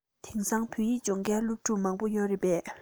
དེང སང བོད ཡིག སྦྱོང མཁན མང པོ ཡོད རེད པས